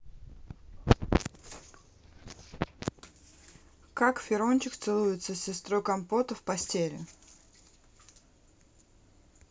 как ферончик целуется сестрой компота в постели